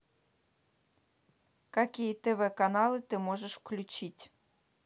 какие тв каналы ты можешь включить